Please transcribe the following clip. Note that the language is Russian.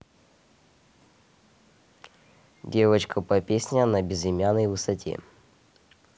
девочка по песня на безымянной высоте